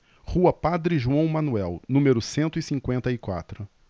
rua padre joão manuel número cento e cinquenta e quatro